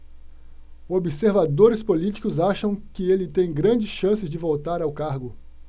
observadores políticos acham que ele tem grandes chances de voltar ao cargo